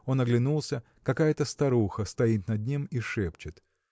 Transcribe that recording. Он оглянулся: какая-то старуха стоит над ним и шепчет.